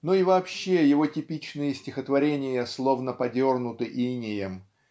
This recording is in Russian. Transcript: но и вообще его типичные стихотворения словно подернуты инеем